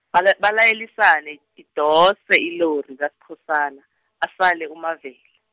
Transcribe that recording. bala- balayelisane idose ilori kaSkhosana, asale uMavela.